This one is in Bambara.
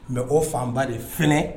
N bɛ ko fanba de f